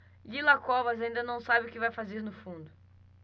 lila covas ainda não sabe o que vai fazer no fundo